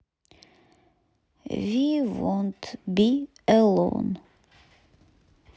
ви вонт би элон